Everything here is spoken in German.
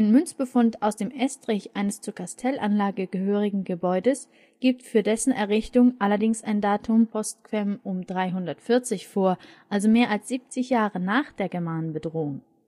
Münzfund aus dem Estrich eines zur Kastellanlage gehörenden Gebäudes gibt für dessen Errichtung allerdings ein Datum post quem um 340 vor, also mehr als 70 Jahre nach der Germanenbedrohung